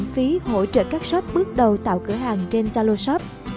là tính năng miễn phí hỗ trợ các shop bước đầu tạo cửa hàng trên zalo shop